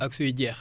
ak suy jeex